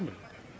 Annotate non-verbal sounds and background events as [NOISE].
[HESITATION] [HESITATION]